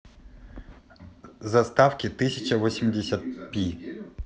заставки тысяча восемьдесят пи